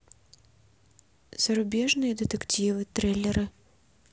зарубежные детективы триллеры